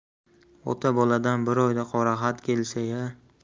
ota boladan bir oyda qoraxat kelsa ya